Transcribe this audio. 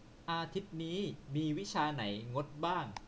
อาทิตย์นี้มีวิชาไหนงดบ้าง